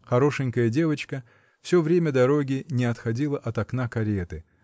Хорошенькая девочка все время дороги не отходила от окна кареты